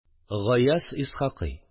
Гаяз Исхакый